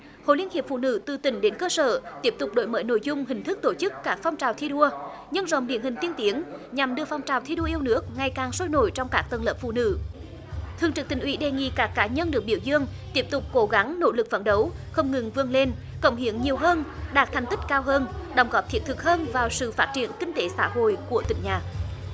hội liên hiệp phụ nữ từ tỉnh đến cơ sở tiếp tục đổi mới nội dung hình thức tổ chức các phong trào thi đua nhân rộng điển hình tiên tiến nhằm đưa phong trào thi đua yêu nước ngày càng sôi nổi trong các tầng lớp phụ nữ thường trực tỉnh ủy đề nghị các cá nhân được biểu dương tiếp tục cố gắng nỗ lực phấn đấu không ngừng vươn lên cống hiến nhiều hơn đạt thành tích cao hơn đóng góp thiết thực hơn vào sự phát triển kinh tế xã hội của tỉnh nhà